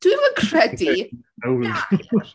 Dwi ddim yn credu... no ...gair.